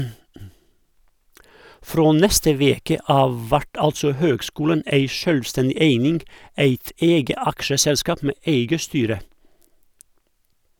Frå neste veke av vert altså høgskulen ei sjølvstendig eining, eit eige aksjeselskap med eige styre.